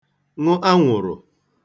ṅụ anwụ̀rụ̀